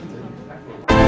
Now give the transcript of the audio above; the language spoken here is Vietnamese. anh